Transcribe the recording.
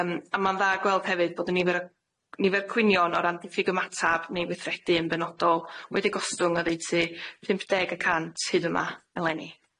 Yym a ma'n dda gweld hefyd bod y nifer o nifer cwynion o ran diffyg ymatab neu weithredu yn benodol wedi gostwng oddeutu pump deg y cant hyd yma eleni.